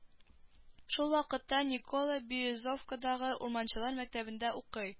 Шул вакытта николо-березовкадагы урманчылар мәктәбендә укый